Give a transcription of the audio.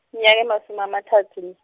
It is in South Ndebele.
mnyaka emasumi amathathu.